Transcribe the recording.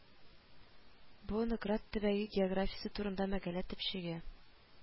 Бу Нократ төбәге географиясе турында мәкалә төпчеге